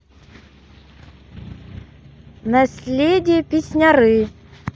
наследие песняры